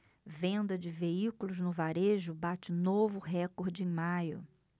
venda de veículos no varejo bate novo recorde em maio